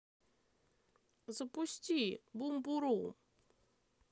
запусти бум бурум